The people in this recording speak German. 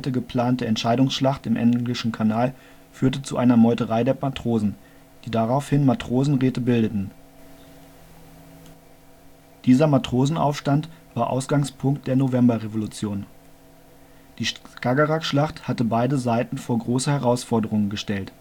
geplante Entscheidungsschlacht im Englischen Kanal führte zu einer Meuterei der Matrosen, die daraufhin Matrosenräte bildeten. Dieser Matrosenaufstand war Ausgangspunkt der Novemberrevolution. Die Skagerrakschlacht hatte beide Seiten vor große Herausforderungen gestellt